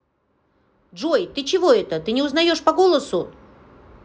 джой ты чего это ты не узнаешь по голосу